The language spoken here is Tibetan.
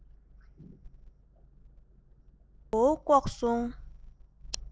གཏོར ཟོར མགོ བོ བཀོག སོང